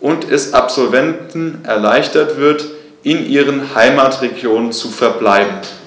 und es Absolventen erleichtert wird, in ihren Heimatregionen zu verbleiben.